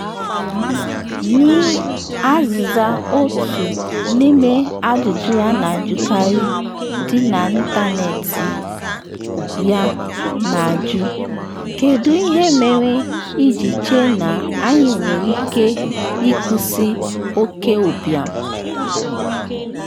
N’azịza otu n’ime FAQ dị na ịntanetị ya, na-ajụ, “kedu ihe mere iji chee na anyị nwere ike ịkwụsị oke ụbịam?”